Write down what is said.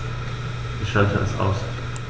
Ich schalte es aus.